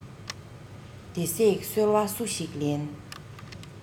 དེ བསྲེགས སོལ བ སུ ཞིག ལེན